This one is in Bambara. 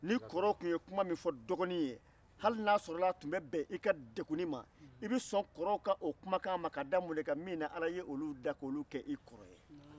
ni kɔrɔ tun ye kuma min fɔ dɔgɔni ye hali n'a yasɔrɔla a tun bɛ bɛn i ka degunni ma i tun bɛ sɔn kɔrɔw ka o kumakan o ma k'a da mun de kan min na ala ye olu da k'olu kɛ i kɔrɔ ye